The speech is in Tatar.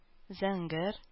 Зәңгәр